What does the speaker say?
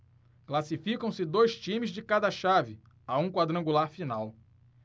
classificam-se dois times de cada chave a um quadrangular final